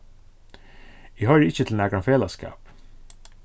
eg hoyri ikki til nakran felagsskap